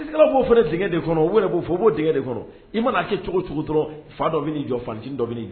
Kiiritigɛlaw B'o fana dingɛ de kɔnɔ, o yɛrɛ b'o fɔ, o b'o dingɛ de kɔnɔ, i man'a kɛ cogo cogo dɔrɔn, fa dɔ bɛ n'i jɔ, fa ncinin dɔ bɛ nin